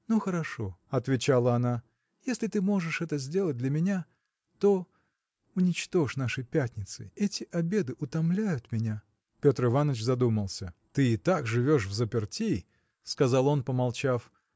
– Ну хорошо, – отвечала она, – если ты можешь это сделать для меня. то. уничтожь наши пятницы. эти обеды утомляют меня. Петр Иваныч задумался. – Ты и так живешь взаперти – сказал он помолчав